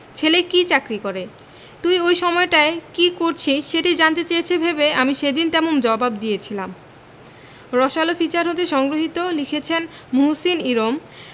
ছেলে কী চাকরি করে তুই ওই সময়টায় কী করছিস সেটি জানতে চেয়েছে ভেবে আমি সেদিন তেমন জবাব দিয়েছি রসআলো ফিচার হতে সংগৃহীত লিখেছেনঃ মুহসিন ইরম